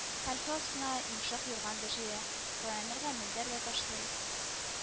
Хәлфә астына йомшак юрган да җәя, таянырга мендәр дә ташлый